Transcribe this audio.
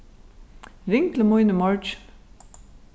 ring til mín í morgin